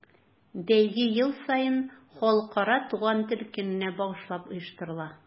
Бәйге ел саен Халыкара туган тел көненә багышлап оештырыла.